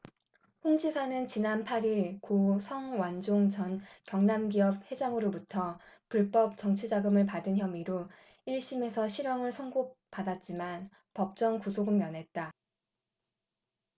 홍 지사는 지난 팔 일 고 성완종 전 경남기업 회장으로부터 불법 정치자금을 받은 혐의로 일 심에서 실형을 선고받았지만 법정 구속은 면했다